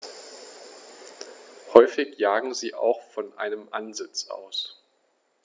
Häufig jagen sie auch von einem Ansitz aus.